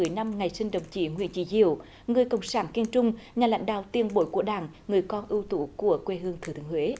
mười năm ngày sinh đồng chí nguyễn chí diểu người cộng sản kiên trung nhà lãnh đạo tiền bối của đảng người con ưu tú của quê hương thừa thiên huế